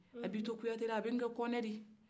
a b'i to kuyatela a bɛ kɛ kɔnɛ di